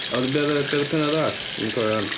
Ond be' odd y- be oedd y pennod arall? Dwi ddim yn cofio 'wan.